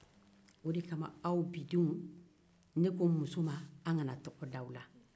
o de kama ne ko n muso ma an kana tɔgɔ da aw la